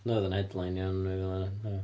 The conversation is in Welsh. Nhw oedd yn headlineio yn nwy fil a naw.